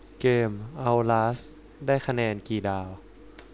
เกมเอ้าลาสได้คะแนนกี่ดาว